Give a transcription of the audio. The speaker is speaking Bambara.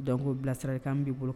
Dɔn' bila sirasira i k' b'i bolo